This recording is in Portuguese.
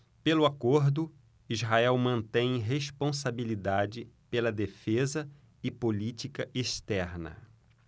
pelo acordo israel mantém responsabilidade pela defesa e política externa